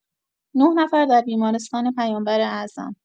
۹ نفر در بیمارستان پیامبر اعظم